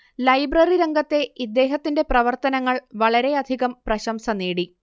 library രംഗത്തെ ഇദ്ദേഹത്തിന്റെ പ്രവർത്തനങ്ങൾ വളരെയധികം പ്രശംസ നേടി